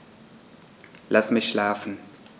Lass mich schlafen